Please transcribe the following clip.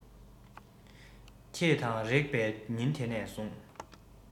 ཁྱེད དང རེག པའི ཉིན དེ ནས བཟུང